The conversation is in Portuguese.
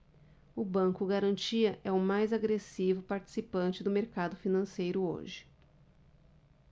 o banco garantia é o mais agressivo participante do mercado financeiro hoje